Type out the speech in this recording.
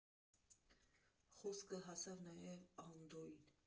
Խոսքը հասավ նաև Անդոյին.